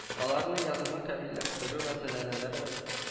Аларны язуны камилләштерү мәсьәләләре